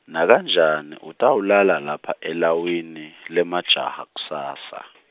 nakanjani utawulala lapha elawini, lemajaha kusasa.